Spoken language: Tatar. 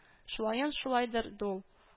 Шулаен шулайдыр ды ул